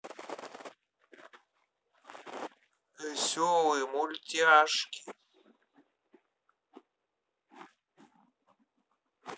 веселые мультяшки